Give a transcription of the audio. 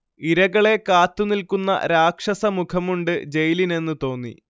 ഇരകളെ കാത്തുനിൽക്കുന്ന രാക്ഷസ മുഖമുണ്ട് ജയിലിനെന്ന് തോന്നി